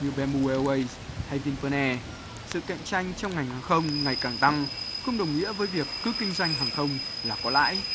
như bem bu e guây hay vin pơn e sự cạnh tranh trong ngành hàng không ngày càng tăng không đồng nghĩa với việc cứ kinh doanh hàng không là có lãi